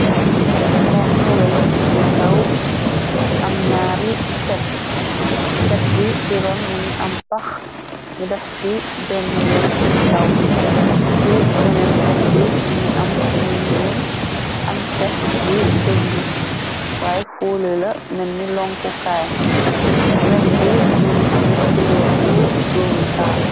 Benne weñ bu ndàw am ñyaari chet chet bi si ron ma ngi am pax ni daf ci benn weñ bu ndàw ci beneen cet bi mu ngi am lu ñuur am cet bu dëng waaye foole la melni lonku kaay weñ bi mu ngi ame kulóor bu doomu taal.